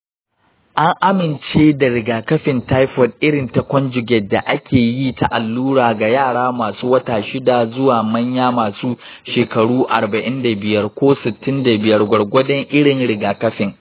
an amince da rigakafin taifoid irin ta conjugate da ake yi ta allura ga yara masu wata shida zuwa manya masu shekaru arba'in da biyar ko sittin da biyar, gwargwadon irin rigakafin.